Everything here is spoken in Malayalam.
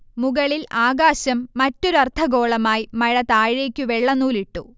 മുകളിൽ ആകാശം, മറ്റൊരർദ്ധഗോളമായി മഴ താഴേക്ക് വെള്ളനൂലിട്ടു